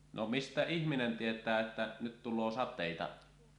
no mistä ihminen tietää että nyt tulee sateita